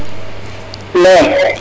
`me